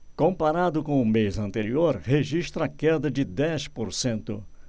comparado com o mês anterior registra queda de dez por cento